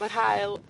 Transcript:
ma'r haul